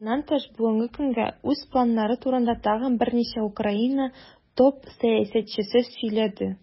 Моннан тыш, бүгенге көнгә үз планнары турында тагын берничә Украина топ-сәясәтчесе сөйләде.